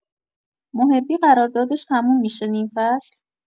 محبی قراردادش تموم می‌شه نیم‌فصل؟